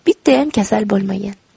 bittayam kasal bo'lmagan